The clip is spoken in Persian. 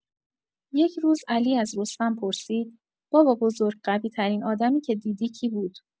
یک روز، علی از رستم پرسید: «بابابزرگ، قوی‌ترین آدمی که دیدی کی بود؟»